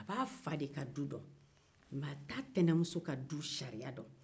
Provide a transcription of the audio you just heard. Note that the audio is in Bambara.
a b'a fa ka du dɔn nk'a t'a tɛnɛmuso ka du sariya dɔn